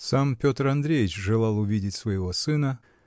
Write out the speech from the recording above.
сам Петр Андреич желал видеть своего сына